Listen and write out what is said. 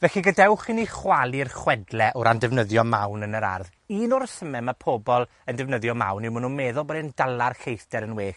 Felly, gadewch i ni chwalu'r chwedle o ran defnyddio mawn yn yr ardd. Un o'r resyme ma' pobol yn defnyddio mawn yw ma' nw'n meddwl bod e'n dala'r lleithder yn well.